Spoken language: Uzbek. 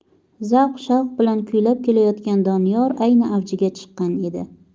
zavq shavq bilan kuylab kelayotgan doniyor ayni avjiga chiqqan edi